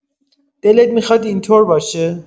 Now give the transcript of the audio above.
دلت می‌خواد اینطور باشه؟